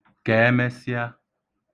kèemesịa